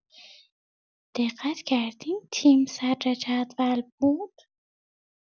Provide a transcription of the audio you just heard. دقت کردین تیم صدر جدول بود.